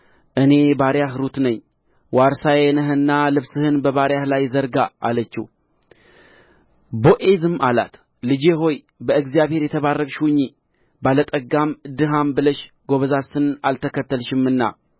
እኔ ባሪያህ ሩት ነኝ ዋርሳዬ ነህና ልብስህን በባሪያህ ላይ ዘርጋ አለችው ቦዔዝም አላት ልጄ ሆይ በእግዚአብሔር የተባረክሽ ሁኚ ባለጠጋም ድሀም ብለሽ ጐበዛዝትን አልተከተልሽምና